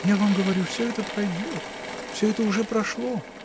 -- Я вам говорю, все это пройдет, все это уже прошло.